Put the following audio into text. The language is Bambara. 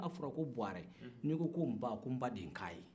n'a fɔra ko buwarɛ n'i ko n baa ko n ba de ye n k'a ye